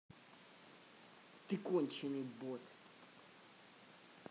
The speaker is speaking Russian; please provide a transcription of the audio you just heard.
ты конченный бот